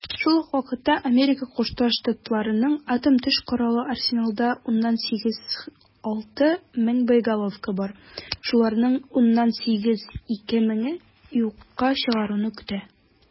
Шул ук вакытта АКШның атом төш коралы арсеналында 6,8 мең боеголовка бар, шуларны 2,8 меңе юкка чыгаруны көтә.